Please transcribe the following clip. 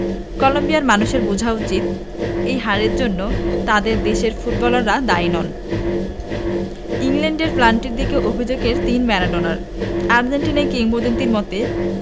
কলম্বিয়ার মানুষের বোঝা উচিত এই হারের জন্য তাদের দেশের ফুটবলাররা দায়ী নয় ইংল্যান্ডের পেনাল্টির দিকে অভিযোগের তির ম্যারাডোনার আর্জেন্টাইন কিংবদন্তির মতে